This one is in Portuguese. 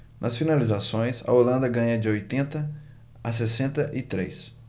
nas finalizações a holanda ganha de oitenta a sessenta e três